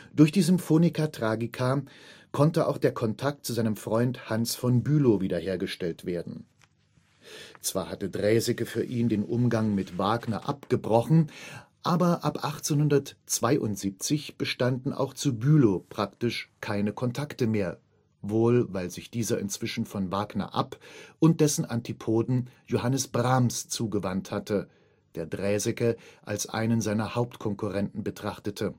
Durch die Symphonia Tragica konnte auch der Kontakt zu seinem Freund Hans von Bülow wieder hergestellt werden. Zwar hatte Draeseke für ihn den Umgang mit Wagner abgebrochen, aber ab 1872 bestanden auch zu Bülow praktisch keine Kontakte mehr, wohl weil sich dieser inzwischen von Wagner ab - und dessen Antipoden Johannes Brahms zugewandt hatte, der Draeseke als einen seiner Hauptkonkurrenten betrachtete